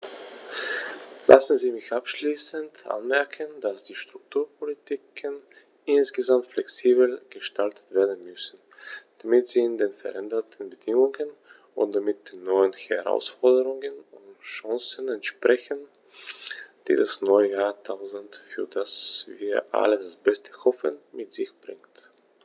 Lassen Sie mich abschließend anmerken, dass die Strukturpolitiken insgesamt flexibler gestaltet werden müssen, damit sie den veränderten Bedingungen und damit den neuen Herausforderungen und Chancen entsprechen, die das neue Jahrtausend, für das wir alle das Beste hoffen, mit sich bringt.